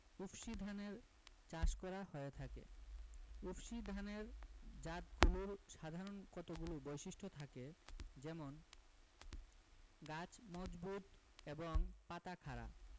উফশী ধানের চাষ করা হয়ে থাকে উফশী ধানের জাতগুলোর সাধারণ কতগুলো বৈশিষ্ট্য থাকে যেমন গাছ মজবুত এবং পাতা খাড়া